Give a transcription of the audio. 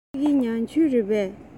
ཕ གི མྱང ཆུ རེད པས